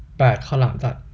แปดข้าวหลามตัด